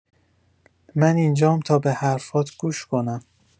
من اینجام تا به حرف‌هات گوش کنم.